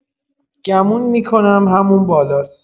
گمون می‌کنم همون بالاس.